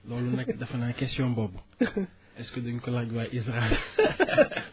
loolu nag defe naa question boobu est ce que duñ ko laaj waa ISRA